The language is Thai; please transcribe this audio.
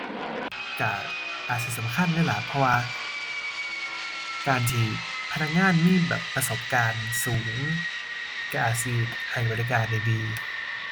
ก็อาจสิสำคัญเลยล่ะ เพราะว่าการที่พนักงานมีแบบประสบการณ์สูง ก็อาจสิให้บริการได้ดี